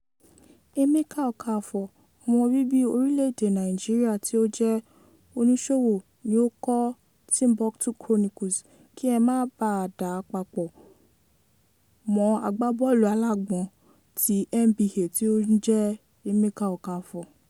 Emeka Okafor, ọmọ bíbí orílẹ̀-èdè Nàìjíríà tí ó jẹ́ oníṣòwò ni ó kọ Timbuktu Chronicles, kí ẹ má dàá papọ̀ mọ́ agbábọ́ọ̀lù-alágbọ̀n ti NBA tí ó ń jẹ́ Emeka Okafor.